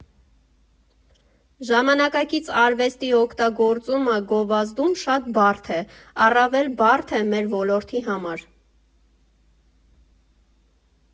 Ժամանակակից արվեստի օգտագործումը գովազդում շատ բարդ է, առավել բարդ է մեր ոլորտի համար։